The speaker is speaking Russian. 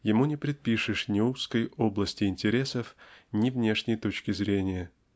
ему не предпишешь ни узкой области интересов ни внешней точки зрения